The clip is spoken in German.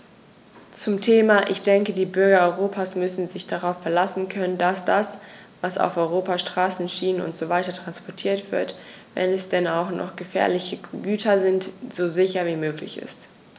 Zum Thema: Ich denke, die Bürger Europas müssen sich darauf verlassen können, dass das, was auf Europas Straßen, Schienen usw. transportiert wird, wenn es denn auch noch gefährliche Güter sind, so sicher wie möglich ist.